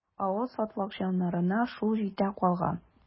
Авыл сатлыкҗаннарына шул җитә калган.